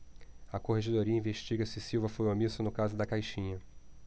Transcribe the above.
a corregedoria investiga se silva foi omisso no caso da caixinha